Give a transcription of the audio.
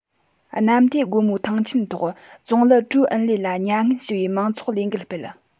གནམ བདེ སྒོ མོའི ཐང ཆེན ཐོག ཙུང ལི ཀྲོའུ ཨེན ལའེ ལ མྱ ངན ཞུ བའི མང ཚོགས ལས འགུལ སྤེལ